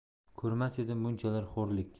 ko'rmas edim bunchalar xo'rlik